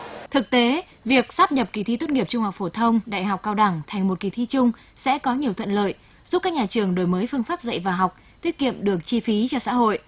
thực tế việc sáp nhập kỳ thi tốt nghiệp trung học phổ thông đại học cao đẳng thành một kỳ thi chung sẽ có nhiều thuận lợi giúp các nhà trường đổi mới phương pháp dạy và học tiết kiệm được chi phí cho xã hội